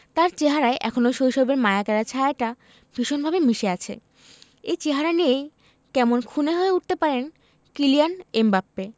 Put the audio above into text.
তাঁর চেহারায় এখনো শৈশবের মায়াকাড়া ছায়াটা ভীষণভাবে মিশে আছে এই চেহারা নিয়েই কেমন খুনে হয়ে উঠতে পারেন কিলিয়ান এমবাপ্পে